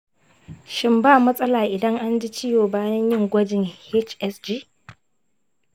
shin ba matsala idan an ji ciwo bayan yin gwajin hsg?